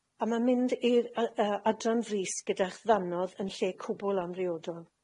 A ma' mynd i'r yy yy adran frys gyda'ch ddannodd yn lle cwbwl amhriodol.